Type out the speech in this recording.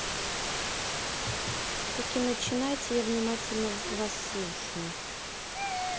таки начинайте я внимательно вас слушаю